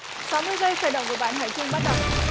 sáu mươi giây khởi động của bạn hải trinh bắt